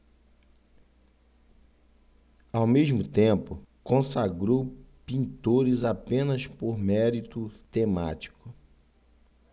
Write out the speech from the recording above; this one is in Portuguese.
ao mesmo tempo consagrou pintores apenas por mérito temático